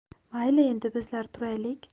mayli endi bizlar turaylik